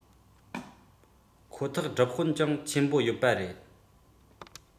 དུས ཚོད དུམ བུ ཞིག འདུག པ ཁོ ཐག ཡིན